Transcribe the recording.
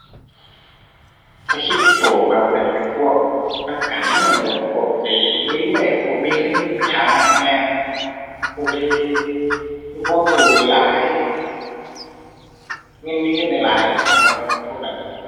ถ้าคริปโตบ่ครับ ก็น่าจะเป็นพวกนักการเมือง แล้วก็แบบพวก ก็ไอ้รวยรวยครับ พวกมีเงิน มีฐานะแหน่ครับ พวกที่มีความรู้หลายหลาย เงิน มีเงินหลายหลายครับ เหมาะกับพวกนั้นครับ